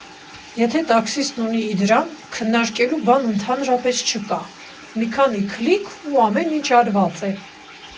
Եթե տաքսիստն ունի Իդրամ, քննարկելու բան ընդհանրապես չկա՝ մի քանի քլիք, ու ամեն ինչ արված է։